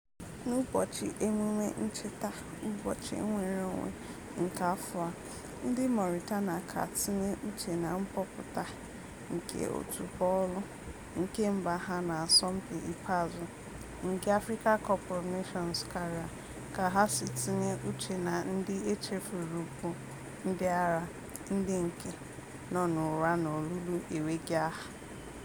N'Ụbọchị Emume Ncheta Ụbọchị Nnwereonwe nke afọ a, ndị Mauritania ka tinye uche na mkpọpụta nke òtù bọọlụ nke mba ha na asọmpị ikpeazụ nke Africa Cup of Nations (CAF) karịa ka ha si tinye uche na ndị e chefuru bụ "ndị agha [ndị ke] nọ n'ụra n'olulu enweghị aha ...